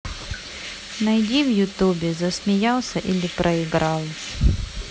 найди в ютубе засмеялся или проиграл